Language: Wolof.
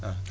waaw